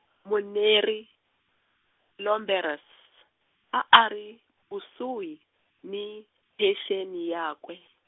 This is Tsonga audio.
Muneri, Lomberes-, a a ri, kusuhi, ni, phenxeni yakwe.